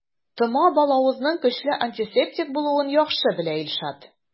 Тома балавызның көчле антисептик булуын яхшы белә Илшат.